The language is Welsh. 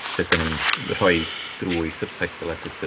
Sut dan ni'n rhoi drwy Subtitle Editor.